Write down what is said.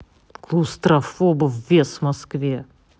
клаустрофобов вес в москве